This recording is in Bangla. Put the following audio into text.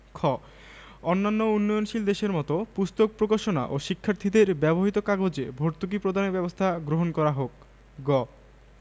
হাজার হাজার পুস্তক বিক্রেতাদের দুরবস্থা নিরসনকল্পে অবিলম্বে এই ব্যাপারে প্রয়োজনীয় ব্যাবস্থা গ্রহণ করা হোক